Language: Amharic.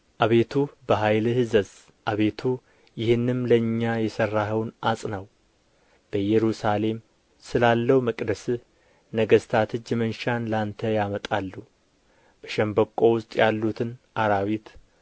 አቤቱ ኃይልህን እዘዝ አቤቱ ይህንም ለእኛ የሠራኸውን አጽናው በኢየሩሳሌም ስላለው መቅደስህ ነገሥታት እጅ መንሻን ለአንተ ያመጣሉ በሸምበቆ ውስጥ ያሉትን አራዊት